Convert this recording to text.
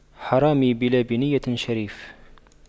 حرامي بلا بَيِّنةٍ شريف